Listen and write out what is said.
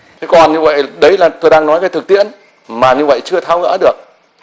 thế còn như vậy đấy là tôi đang nói về thực tiễn mà như vậy chưa tháo gỡ được